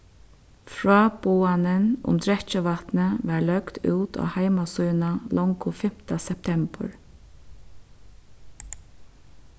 fráboðanin um drekkivatnið varð løgd út á heimasíðuna longu fimta septembur